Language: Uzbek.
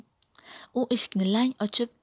u eshikni lang ochib